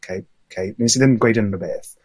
'k 'k. Nes i ddim gweud unrhyw beth.